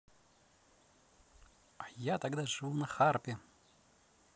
а я тогда живу на харпе